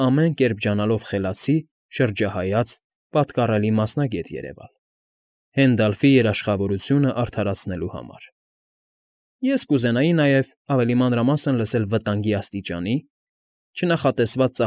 Ամեն կերպ ջանալով խելացի, շրջահայաց, պատկառելի մասնագետ երևալ, Հենդալֆի երաշխավորությունն արդարացնելու համար։ ֊ Ես կուզենայի նաև ավելի մանրամասն լսել վտանգի աստիճանների, չնախատեսված։